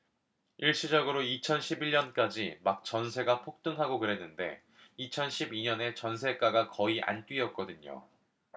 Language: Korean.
일시적으로 이천 십 일 년까지 막 전세가 폭등하고 그랬는데 이천 십 이 년에 전세가가 거의 안 뛰었거든요